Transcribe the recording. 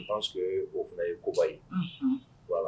Je pense que o fana ye koba ye, unhun, voilà